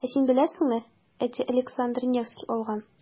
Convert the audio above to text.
Ә син беләсеңме, әти Александр Невский алган.